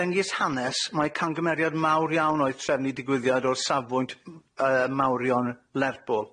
Dengys hanes mai camgymeriad mawr iawn oedd trefnu digwyddiad o'r safbwynt yy mawrion Lerpwl.